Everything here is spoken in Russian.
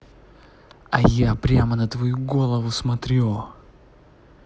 а я прямо на твою голову смотрю